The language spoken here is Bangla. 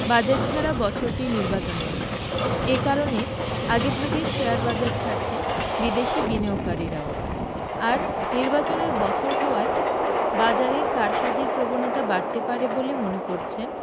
বাজেট ছাড়া বছরটি নির্বাচনেরও এ কারণে আগেভাগে শেয়ারবাজার ছাড়ছে বিদেশি বিনিয়োগকারীরাও আর নির্বাচনের বছর হওয়ায় বাজারে কারসাজির প্রবণতা বাড়তে পারে বলে মনে করছেন